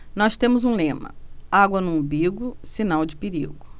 nós temos um lema água no umbigo sinal de perigo